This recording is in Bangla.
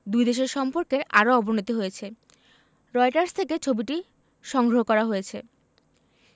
দুই দেশের সম্পর্কের আরও অবনতি হয়েছে রয়টার্স থেকে ছবিটি সংগ্রহ করা হয়েছে